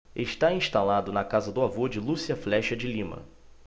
está instalado na casa do avô de lúcia flexa de lima